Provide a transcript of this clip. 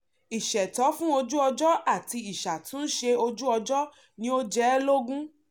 Ìṣẹ̀tọ́ fún ojú-ọjọ́ àti ìṣàtúnṣe ojú-ọjọ́ ni ó jẹ ẹ́ lógún.